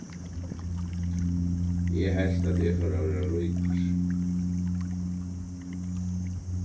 eg helt at eg fór at verða ríkur